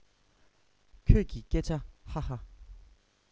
ཁྱོད ཀྱི སྐད ཆ ཧ ཧ